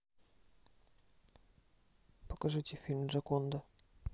покажите фильм джаконда